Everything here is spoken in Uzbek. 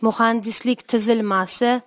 muhandislik tuzilmasi